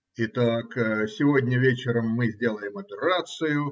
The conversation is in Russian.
Итак, сегодня вечером мы сделаем операцию